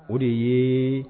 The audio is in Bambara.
O de ye